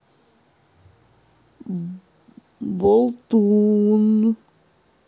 болтун